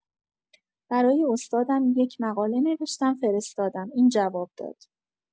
برای استادم یک مقاله نوشتم فرستادم این جواب داد.